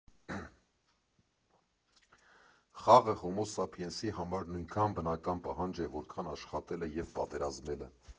Խաղը հոմո֊սափիենսի համար նույնքան բնական պահանջ է, որքան աշխատելը և պատերազմելը։